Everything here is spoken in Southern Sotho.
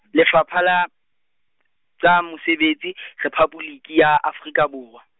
Lefapha la, tsa Mesebetsi , Rephaboliki ya Afrika Borwa.